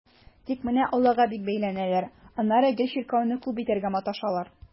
Тик менә аллага бик бәйләнәләр, аннары гел чиркәүне клуб итәргә маташалар.